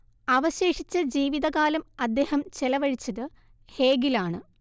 അവശേഷിച്ച ജീവിതകാലം അദ്ദേഹം ചെലവഴിച്ചത് ഹേഗിലാണ്